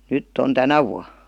nyt on tänä vuonna